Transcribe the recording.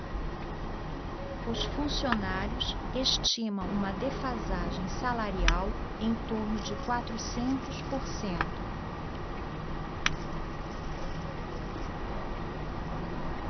os funcionários estimam uma defasagem salarial em torno de quatrocentos por cento